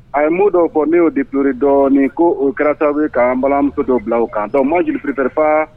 A ye mot ne ye'o deploré dɔɔni ko o kɛra sababu ye k'an balamuso dɔ bila o kan donc moi je ne prefere pas